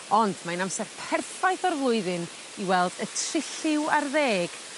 Ond mae'n amser perffaith o'r flwyddyn i weld y trilliw ar ddeg